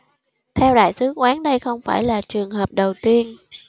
theo đại sứ quán đây không phải là trường hợp đầu tiên